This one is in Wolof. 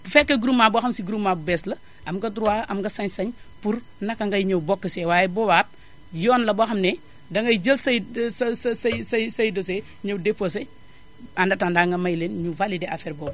bu fekke groupement boo xam si groupement bu bees la am nga droit am nga sañ-sañ pour naka ngay ñëw bokk see waaye bu boobaa yoon la boo xam ne dangay jël say say say say dossirs ñëw déposé en attendant nga may leen ñu validé affaire boobu